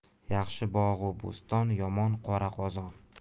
yaxshi bog' u bo'ston yomon qora qozon